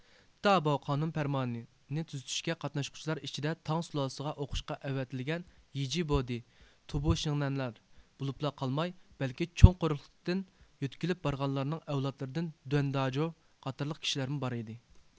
داباۋ قانۇن پەرمانى نى تۈزۈشكە قاتناشقانلار ئىچىدە تاڭ سۇلالىسىغا ئوقۇشقا ئەۋەتىلگەن يىجىبودى تۇبۇشىڭنەنلار بولۇپلا قالماي بەلكى چوڭ قۇرۇقلۇقتىن يۆتكىلىپ بارغانلارنىڭ ئەۋلادلىرىدىن دۇەن داجاۋ قاتارلىق كىشىلەرمۇ بار ئىدى